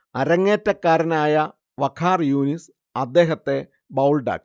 അരങ്ങേറ്റക്കാരനായ വഖാർ യൂനിസ് അദ്ദേഹത്തെ ബൗൾഡാക്കി